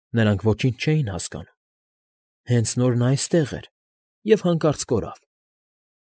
Նրանք ոչինչ չէին հասկանում. հենց նոր նա այստեղ էր և հանկարծ կորավ։